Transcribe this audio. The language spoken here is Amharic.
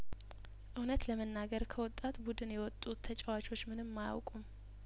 እውነት ለመናገር ከወጣት ቡድን የወጡት ተጫዋቾችምንም አያውቁም